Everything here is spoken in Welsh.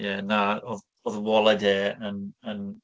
Ie, na, oedd oedd waled e yn yn...